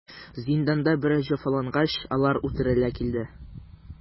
Зинданда бераз җәфалангач, алар үтерелә килде.